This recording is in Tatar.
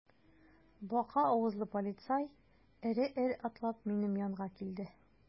Бака авызлы полицай эре-эре атлап минем янга килде.